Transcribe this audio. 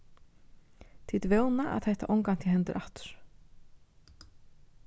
tit vóna at hatta ongantíð hendir aftur